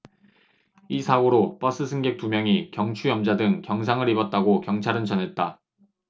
이 사고로 버스 승객 두 명이 경추염좌 등 경상을 입었다고 경찰은 전했다